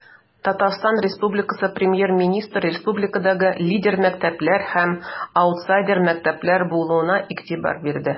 ТР Премьер-министры республикада лидер мәктәпләр һәм аутсайдер мәктәпләр булуына игътибар бирде.